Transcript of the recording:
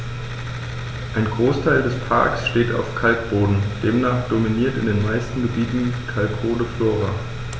Ein Großteil des Parks steht auf Kalkboden, demnach dominiert in den meisten Gebieten kalkholde Flora.